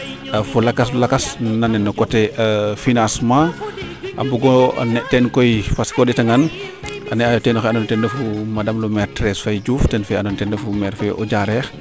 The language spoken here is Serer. fo lakas lakas nan nen coté financement a mbugo a ne teen koy parce o ndeta ngaan a ne'ayo teen oxe ando naye ten refu madame le maire Therese Faye Diouf ten fee ando naye ten refu maire fee o Diarekh